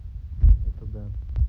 это да